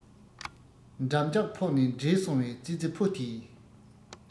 འགྲམ ལྕག ཕོག ནས འགྲིལ སོང བའི ཙི ཙི ཕོ དེས